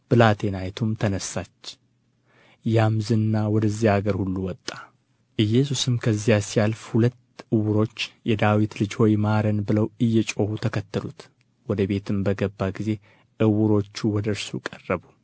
ብላቴናይቱም ተነሣች ያም ዝና ወደዚያ አገር ሁሉ ወጣ ኢየሱስም ከዚያ ሲያልፍ ሁለት ዕውሮች የዳዊት ልጅ ሆይ ማረን ብለው እየጮሁ ተከተሉት ወደ ቤትም በገባ ጊዜ ዕውሮቹ ወደ እርሱ ቀረቡ